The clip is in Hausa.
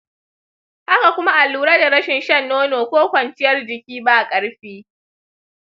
haka kuma a lura da rashin shan nono ko kwanciyar jiki ba ƙarfi.